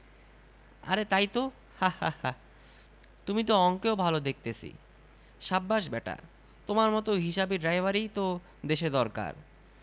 আরে তাই তো হাহাহা তুমি তো অঙ্কেও ভাল দেখতেছি সাব্বাস ব্যাটা তোমার মত হিসাবি ড্রাইভারই তো দেশে দরকার